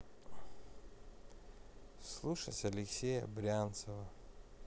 слушать алексея брянцева